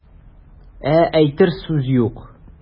Ә әйтер сүз юк.